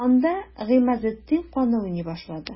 Анда Гыймазетдин каны уйный башлады.